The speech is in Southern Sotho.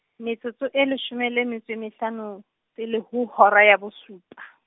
metsotso e leshome le metso e mehlano, pele ho hora ya bosupa.